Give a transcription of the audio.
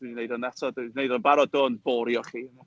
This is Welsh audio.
Dwi 'di wneud hwn eto, 'dan ni di wneud o'n barod, do, yn borio chi.